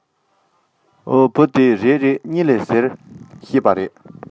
བུ དེས རེད རེད གཉིད ལམ རེད ཟེར བཤད པས